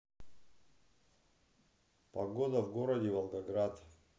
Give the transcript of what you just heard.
погода в городе волгоград